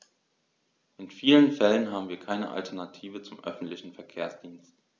In vielen Fällen haben wir keine Alternative zum öffentlichen Verkehrsdienst.